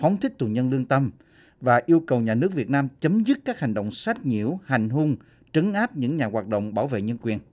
phóng thích tù nhân lương tâm và yêu cầu nhà nước việt nam chấm dứt các hành động sách nhiễu hành hung trấn áp những nhà hoạt động bảo vệ nhân quyền